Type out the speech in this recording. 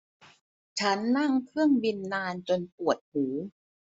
ฉันนั่งเครื่องบินนานจนปวดหู